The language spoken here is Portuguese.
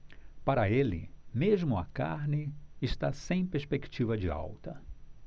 para ele mesmo a carne está sem perspectiva de alta